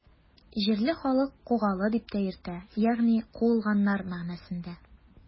Җирле халык Кугалы дип тә йөртә, ягъни “куылганнар” мәгънәсендә.